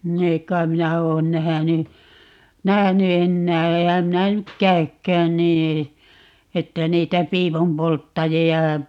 niin ei kai minä ole nähnyt nähnyt enää enhän minä nyt käykään niin että niitä piipunpolttajia